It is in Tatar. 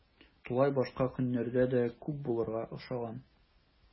Туйлар башка көннәрдә дә күп булырга охшаган.